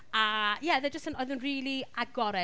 A, ie, oedd e jyst yn... oedd e’n rili agored.